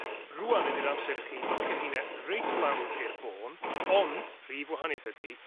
Rŵan ydi'r amser i chi docio rheine reit lawr i'r bôn ond prif wahaneth ydi